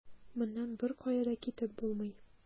Моннан беркая да китеп булмый.